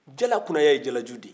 jala kunaya ye jalaju de ye